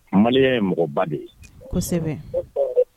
Maria ye mɔgɔba de ye kosɛbɛ